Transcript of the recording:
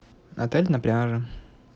отель на пляже